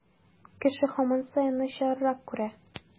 Кеше һаман саен начаррак күрә.